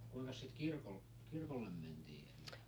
kuinkas sitä - kirkolle mentiin ennen